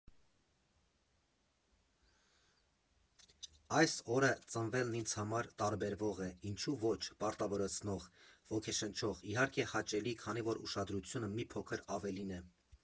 Այս օրը ծնվելն ինձ համար տարբերվող է, ինչու ոչ, պարտավորեցնող, ոգեշնչող, իհարկե հաճելի, քանի որ ուշադրությունը մի փոքր ավելին է։